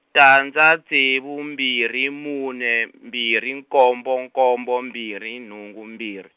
tandza ntsevu mbirhi mune mbirhi nkombo nkombo mbirhi nhungu mbirhi.